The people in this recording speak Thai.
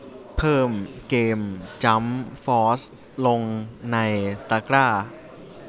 เพิ่มเกมจั้มฟอสลงในตะกร้า